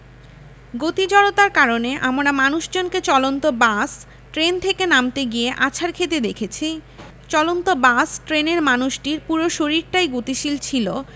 গতি জড়তার কারণে আমরা মানুষজনকে চলন্ত বাস ট্রেন থেকে নামতে গিয়ে আছাড় খেতে দেখি চলন্ত বাস ট্রেনের মানুষটির পুরো শরীরটাই গতিশীল ছিল